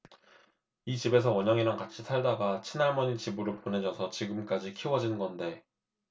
이 집에서 원영이랑 같이 살다가 친할머니 집으로 보내져서 지금까지 키워진 건데